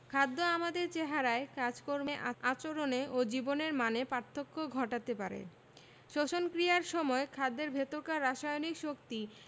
খাদ্য আমাদের চেহারায় কাজকর্মে আচরণে ও জীবনের মানে পার্থক্য ঘটাতে পারে শ্বসন ক্রিয়ার সময় খাদ্যের ভেতরকার রাসায়নিক শক্তি